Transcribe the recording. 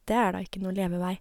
Det er da ikke noe levevei.